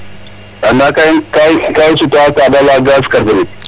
ande ka i suta ka ta layaa gaz carbonique